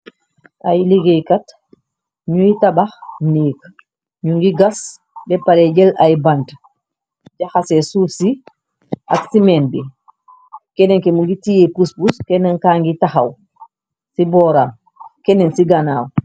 Ay liggéeykat ñuy tabax neiik ñu ngi gas déppale jël ay bant jaxase suuf si ak ci men bi kennenke mu ngi tiye pusbus kennenka ngi taxaw ci booram kennen ci ganaaw.